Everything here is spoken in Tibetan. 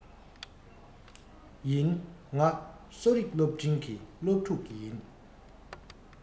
ཡིན ང གསོ རིག སློབ གླིང གི སློབ ཕྲུག ཡིན